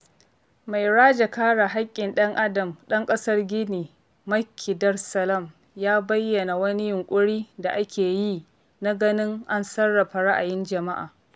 Mai rajin kare haƙƙin ɗan adam ɗan ƙasar Gini Macky Darsalam ya bayyana wani yunƙuri da ake yi na ganin an sarrafa ra'ayin jama'a.